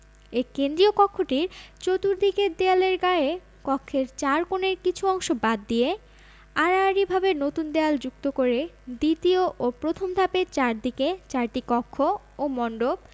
এ কেন্দ্রীয় কক্ষটির চর্তুদিকের দেয়ালের গায়ে কক্ষের চার কোণের কিছু অংশ বাদ দিয়ে আড়াআড়ি ভাবে নতুন দেয়াল যুক্ত করে দ্বিতীয় ও প্রথম ধাপের চারদিকে চারটি কক্ষ ও মন্ডপ